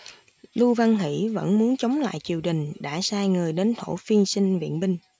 lưu văn hỉ vẫn muốn chống lại triều đình đã sai người đến thổ phiên xin viện binh